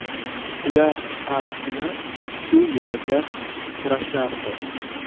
ular har kuni shu yerda uchrashardi